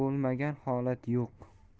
bo'lmagan holat yo'q